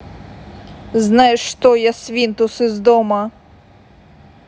знаешь что я свинус из дома